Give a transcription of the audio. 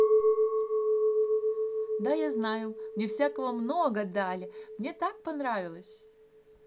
да я знаю мне всякого много дали мне так нравилось